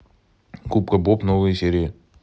губка боб новые серии